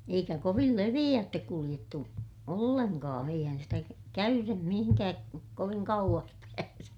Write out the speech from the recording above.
eikä kovin leveäitse kuljettu ollenkaan eihän sitä - käyden mihinkään kovin kauas pääse